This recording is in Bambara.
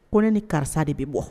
Ko ne ni karisa de bɛ bɔ